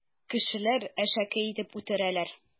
Кешеләр әшәке итеп үтерәләр.